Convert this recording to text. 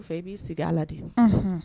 Fɛ i bi sigi al a de Unhun